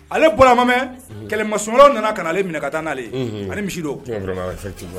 Ale bɔra a ma mɛn, kɛlɛmansa Sumaworo nana ka n'ale minɛ ka taa n'ale ye, unhun, ani misi dɔw, un vraiment effectivement